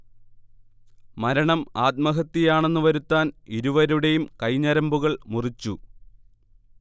മരണം ആത്മഹത്യയാണെന്ന് വരുത്താൻ ഇരുവരുടെയും കൈഞരമ്പുകൾ മുറിച്ചു